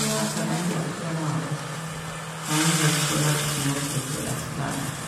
Jeg er så heldig at jeg har et gammelt, forlatt småbruk på Vestlandet.